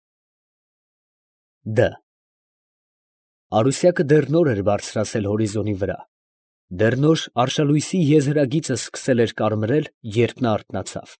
Դ Արուսյակը դեռ նոր էր բարձրացել հորիզոնի վրա, դեռ նոր արշալույսի եզերագիծը սկսել էր կարմրել, երբ նա արթնացավ։